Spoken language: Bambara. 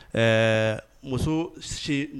Ɛɛ musosi